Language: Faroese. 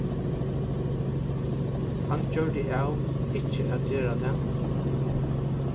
hann gjørdi av ikki at gera tað